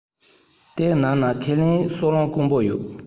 དེའི ནང ན ཁས ལེན གསོ རླུང དཀོན པོ ཡོད